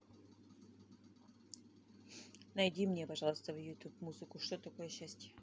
найди мне пожалуйста в youtube музыку что такое счастье